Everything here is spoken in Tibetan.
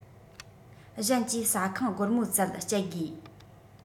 གཞན གྱིས ཟ ཁང སྒོར མོ བཙལ གཅད དགོས